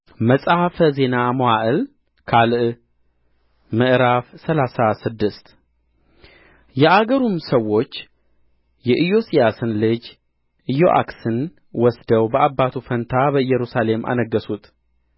መጽሐፈ ዜና መዋዕል ካልዕ ምዕራፍ ሰላሳ ስድስት የአገሩም ሰዎች የኢዮስያስን ልጅ ኢዮአክስን ወስደው በአባቱ ፋንታ በኢየሩሳሌም አነገሡት